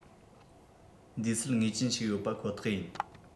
འདུས ཚད ངེས ཅན ཞིག ཡོད པ ཁོ ཐག ཡིན